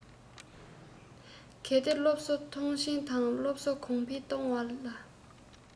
གལ ཏེ སློབ གསོར མཐོང ཆེན དང སློབ གསོ གོང འཕེལ གཏོང བ ལ